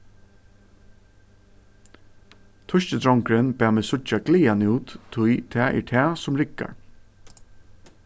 týski drongurin bað meg síggja glaðan út tí tað er tað sum riggar